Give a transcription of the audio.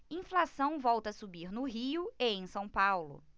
inflação volta a subir no rio e em são paulo